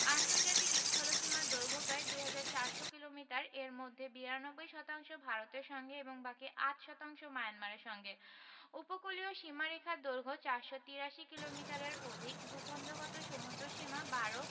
আন্তর্জাতিক স্থলসীমার দৈর্ঘ্য প্রায় ২হাজার ৪০০ কিলোমিটার এর মধ্যে ৯২ শতাংশ ভারতের সঙ্গে এবং বাকি ৮ শতাংশ মায়ানমারের সঙ্গে উপকূলীয় সীমারেখার দৈর্ঘ্য ৪৮৩ কিলোমিটারের অধিক ভূখন্ডগত সমুদ্রসীমা ১২